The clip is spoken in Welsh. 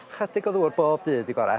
'Chydig o ddŵr bob dydd di gora.